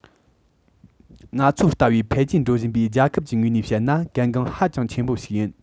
ང ཚོ ལྟ བུའི འཕེལ རྒྱས འགྲོ བཞིན པའི རྒྱལ ཁབ ཀྱི ངོས ནས བཤད ན གལ འགངས ཧ ཅང ཆེན པོ ཞིག ཡིན